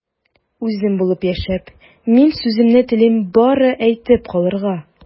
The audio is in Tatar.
Үзем булып яшәп, мин сүземне телим бары әйтеп калырга...